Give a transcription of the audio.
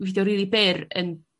fideo rili byr yn